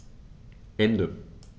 Ende.